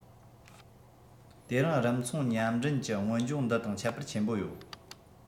དེ རིང རིམ མཚུངས མཉམ འགྲན གྱི སྔོན སྦྱོང འདི དང ཁྱད པར ཆེན པོ ཡོད